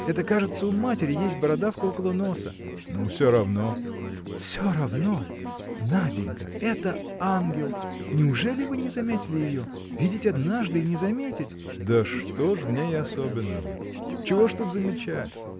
Это, кажется, у матери есть бородавка около носа. – Ну, все равно. – Все равно! Наденька! этот ангел! неужели вы не заметили ее? Видеть однажды – и не заметить! – Да что ж в ней особенного? Чего ж тут замечать?